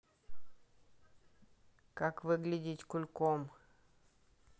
как выглядеть кульком